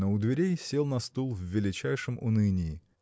но у дверей сел на стул в величайшем унынии.